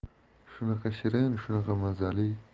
shunaqa shirin shunaqa mazali